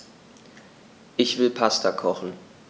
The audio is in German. Ich will Pasta kochen.